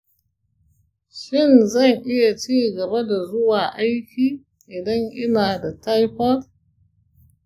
shin zan iya ci gaba da zuwa aiki idan ina da taifoid?